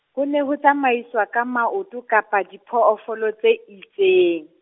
ho ne ho tsamaiwa ka maoto kapa diphoofolo tse itseng.